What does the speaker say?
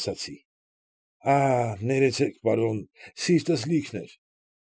Ասացի։ Ա՛հ, ներեցեք, պարոն, սիրտս լիքն էր։